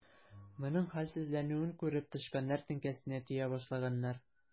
Моның хәлсезләнүен күреп, тычканнар теңкәсенә тия башлаганнар.